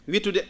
wittude